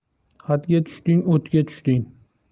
xatga tushding o'tga tushding